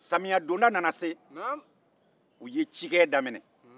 samiya donda nana se u ye cikɛ daminɛ